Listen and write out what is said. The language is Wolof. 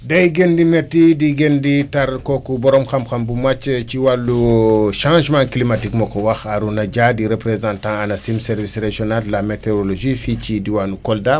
day gën di métti di gën di tar kooku borom xam-xam bu màcc ci wàllu changement climatique moo ko wax Arouna dia di représentant Anacim service régional de la météorologie fii ci diwaanu Kolda